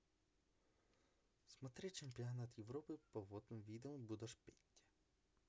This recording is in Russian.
смотреть чемпионат европы по водным видам в будапеште